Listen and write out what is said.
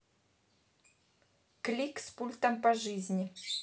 клик с пультом по жизни